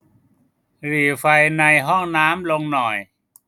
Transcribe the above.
หรี่ไฟในห้องน้ำลงหน่อย